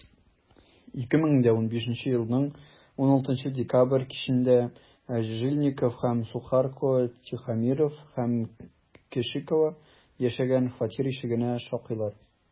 2015 елның 16 декабрь кичендә жильников һәм сухарко тихомиров һәм кешикова яшәгән фатир ишегенә шакыйлар.